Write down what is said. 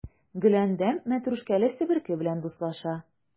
Гөләндәм мәтрүшкәле себерке белән дуслаша.